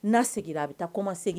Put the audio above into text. Na seginna a bɛ taa koma segin